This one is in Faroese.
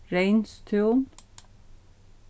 reynstún